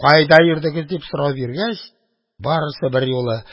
Кайда йөрдегез? – дип сорау биргәч, барысы берьюлы: